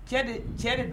Cɛ de cɛ de